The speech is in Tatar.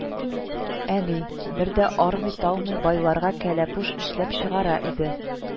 Әни, бер дә армый-талмый, байларга кәләпүш эшләп чыгара иде